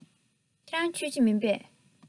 ཁྱོད རང མཆོད ཀྱི མིན པས